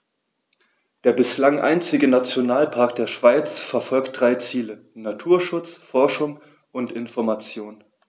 Der bislang einzige Nationalpark der Schweiz verfolgt drei Ziele: Naturschutz, Forschung und Information.